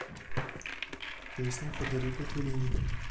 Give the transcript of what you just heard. песня федерико феллини